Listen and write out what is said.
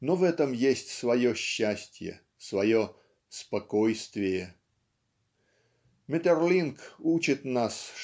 но в этом есть свое счастье, свое "спокойствие". Метерлинк учит нас